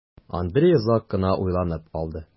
Андрей озак кына уйланып алды.